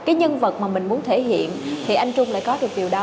cái nhân vật mà mình muốn thể hiện thì anh trung lại có được điều đó